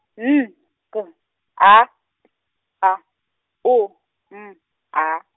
N, G, A, P, A, U, M, A.